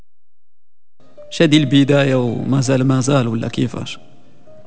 شادي البدايه و مازال مازال ولا كيف